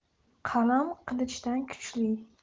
qalam qilichdan kuchli